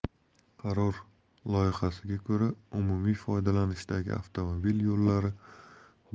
qaror loyihasiga ko'ra umumiy foydalanishdagi avtomobil yo'llari